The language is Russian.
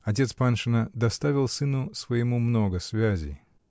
Отец Паншина доставил сыну своему много связей